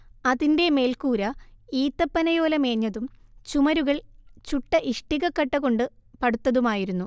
അതിന്റെ മേൽക്കൂര ഈത്തപ്പനയോല മേഞ്ഞതും ചുമരുകൾ ചുട്ട ഇഷ്ടിക കട്ട കൊണ്ട് പടുത്തതുമായിരുന്നു